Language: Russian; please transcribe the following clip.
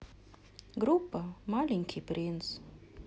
группа маленький принц